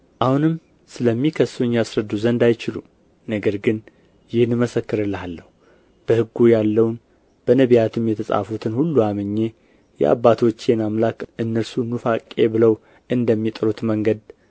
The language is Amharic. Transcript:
አሁንም ስለሚከሱኝ ያስረዱህ ዘንድ አይችሉም ነገር ግን ይህን እመሰክርልሃለሁ በሕጉ ያለውን በነቢያትም የተጻፉትን ሁሉ አምኜ የአባቶቼን አምላክ እነርሱ ኑፋቄ ብለው እንደሚጠሩት መንገድ